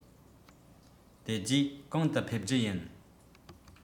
དེ རྗེས གང དུ ཕེབས རྒྱུ ཡིན